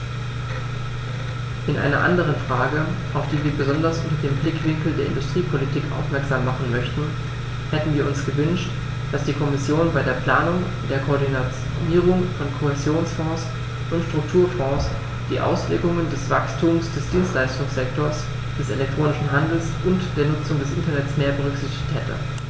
In einer anderen Frage, auf die wir besonders unter dem Blickwinkel der Industriepolitik aufmerksam machen möchten, hätten wir uns gewünscht, dass die Kommission bei der Planung der Koordinierung von Kohäsionsfonds und Strukturfonds die Auswirkungen des Wachstums des Dienstleistungssektors, des elektronischen Handels und der Nutzung des Internets mehr berücksichtigt hätte.